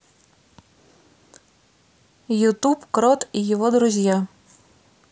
ютуб крот и его друзья